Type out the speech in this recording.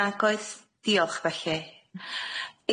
Nag oes, diolch felly.